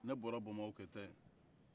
ne bɔra bamakɔ ka taa yen